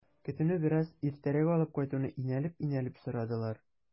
Көтүне бераз иртәрәк алып кайтуны инәлеп-инәлеп сорадылар.